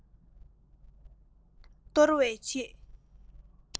གཏོར བའི ཆེད